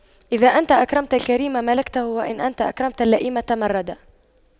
إذا أنت أكرمت الكريم ملكته وإن أنت أكرمت اللئيم تمردا